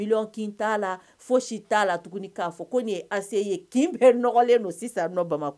Mil kin t'a la fo si t'a la tuguni'a fɔ ko nin ye ase ye kin bɛ nɔgɔlen don sisan nɔ bama